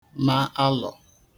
ma alọ̀